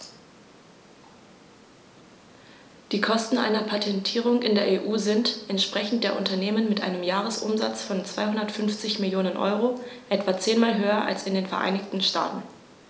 Die Kosten einer Patentierung in der EU sind, entsprechend der Unternehmen mit einem Jahresumsatz von 250 Mio. EUR, etwa zehnmal höher als in den Vereinigten Staaten.